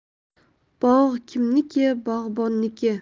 bog' kimniki bog'bonniki